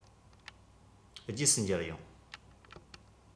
རྗེས སུ མཇལ ཡོང